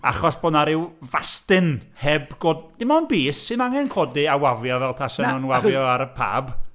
Achos bo' 'na ryw fastyn heb go-... dim ond bys, 'sdim angen codi a wafio fel fatha 'sen nhw'n... na! Achos... ...wafio ar y pab.